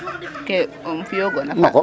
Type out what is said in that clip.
ke fiyo gona fak